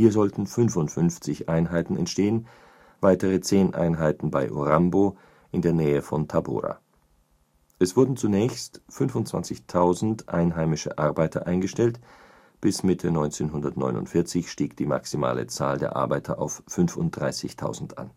sollten 55 Einheiten entstehen, weitere 10 Einheiten bei Urambo in der Nähe von Tabora. Es wurden zunächst 25.000 einheimische Arbeiter eingestellt, bis Mitte 1949 stieg die maximale Zahl der Arbeiter auf 35.000 an